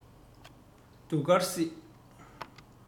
གདུགས དཀར སྐྱིད